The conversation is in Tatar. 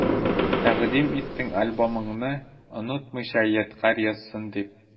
Тәкъдим иттең альбомыңны, онытмыйча ядкарь язсын дип.